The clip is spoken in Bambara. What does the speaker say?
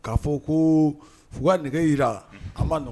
' fɔ ko f nɛgɛ jirara an ma